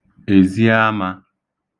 èziamā